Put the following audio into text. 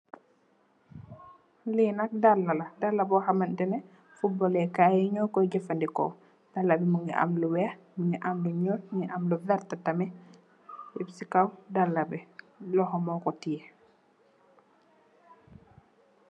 Li nak dalla la, dalla bu xamanteh ni futbal lé kay yi ñokoy jafandiko. Dalla bu mugii am lu wèèx, mugii am lu ñuul, mugii am lu werta yep si kaw dalla bi loxo moko teyeh.